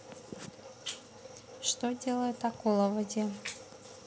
что делает акула в воде